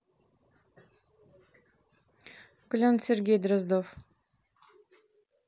клен сергей дроздов